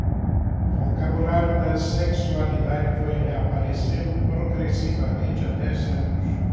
o vocabulário da sexualidade foi reaparecendo progressivamente há dez anos